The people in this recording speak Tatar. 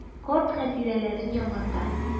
Карт хатирәләрен яңарта.